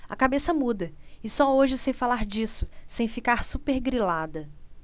a cabeça muda e só hoje sei falar disso sem ficar supergrilada